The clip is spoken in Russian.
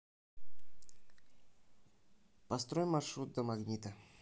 построй маршрут до магнита